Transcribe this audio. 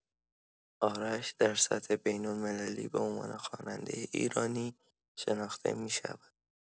آرش در سطح بین‌المللی به عنوان خواننده ایرانی شناخته می‌شود.